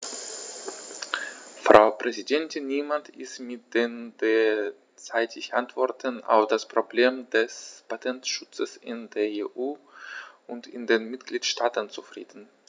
Frau Präsidentin, niemand ist mit den derzeitigen Antworten auf das Problem des Patentschutzes in der EU und in den Mitgliedstaaten zufrieden.